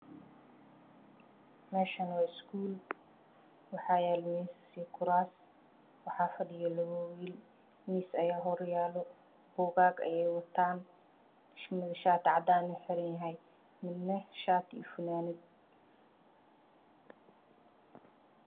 Meeshani waa iskuul waxaa yaalo miisas iyo kuraas waxaa fadhiyo labo wiil miis ayaa horyaalo buugaag ayey wataan mid shaati cadaan ah buu xiran yahay midna shaati iyo funaanad